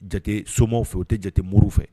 Jatigi jate somaw fɛ o tɛ jate muru fɛ